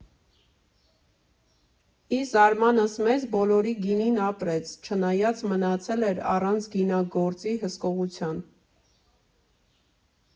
Ի զարմանս մեզ բոլորի՝ գինին ապրեց, չնայած մնացել էր առանց գինեգործի հսկողության։